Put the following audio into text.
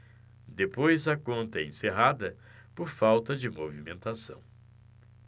depois a conta é encerrada por falta de movimentação